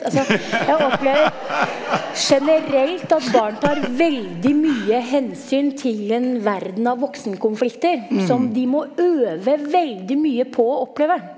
altså jeg opplever generelt at barn tar veldig mye hensyn til en verden av voksenkonflikter som de må øve veldig mye på å oppleve.